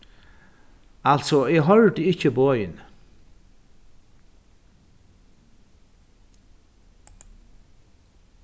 altso eg hoyrdi ikki boðini